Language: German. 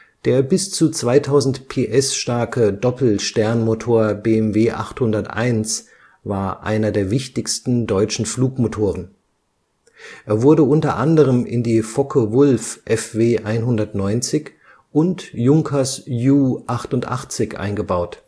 Der bis zu 1.467 kW (2.000 PS) starke Doppel-Sternmotor BMW 801 war einer der wichtigsten deutschen Flugmotoren. Er wurde unter anderem in die Focke-Wulf Fw 190 und Junkers Ju 88 eingebaut